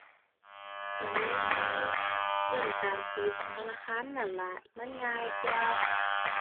ก็มีอยู่ เอิ้นตามสีของธนาคารนั้นล่ะ มันง่ายกว่า